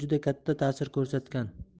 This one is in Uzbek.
juda katta tasir ko'rsatgan